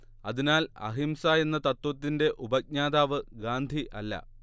അതിനാൽ അഹിംസ എന്ന തത്ത്വത്തിന്റെ ഉപജ്ഞാതാവ് ഗാന്ധി അല്ല